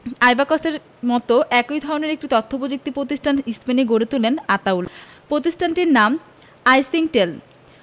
আইব্যাকসের মতো একই ধরনের একটি তথ্যপ্রযুক্তি প্রতিষ্ঠান স্পেনে গড়ে তোলেন আতাউল প্রতিষ্ঠানটির নাম আইসিংকটেল